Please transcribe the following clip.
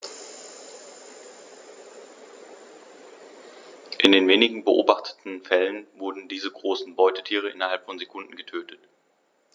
In den wenigen beobachteten Fällen wurden diese großen Beutetiere innerhalb von Sekunden getötet.